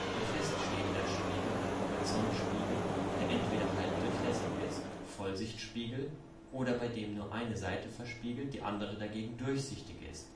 ein feststehender Spiegel (Horizontspiegel), der entweder halbdurchlässig ist (Vollsichtspiegel) oder bei dem nur die eine Seite verspiegelt, die andere dagegen durchsichtig ist